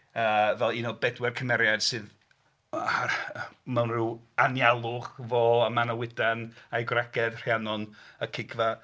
..yy fel un o bedwar cymeriad sydd mewn rhyw anialwch, fo a Manawydan a'i gwragedd Rhiannon a Cigfa.